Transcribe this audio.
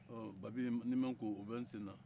ɔ babi ni n bɛ n ko o bɛ n sen na